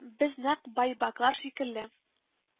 Без нәкъ байбаклар шикелле